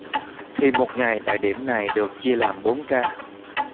thì một ngày tại điểm này được chia làm bốn ca